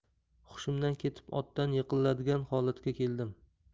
hushimdan ketib otdan yiqiladigan holatga keldim